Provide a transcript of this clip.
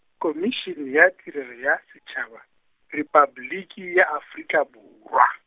Khomišene ya Tirelo ya Setšhaba, Repabliki ya Afrika Borwa.